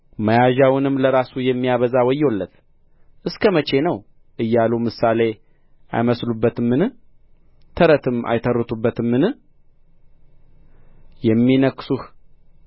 መያዣውንም ለራሱ የሚያበዛ ወዮለት እስከ መቼ ነው እያሉ ምሳሌ አይመስሉበትምን ተረትም አይተርቱበትምን የሚነክሱህ